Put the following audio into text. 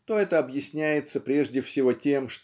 то это объясняется прежде всего тем